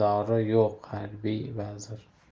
dori yo'q harbiy vazir